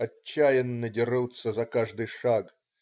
Отчаянно дерутся за каждый шаг.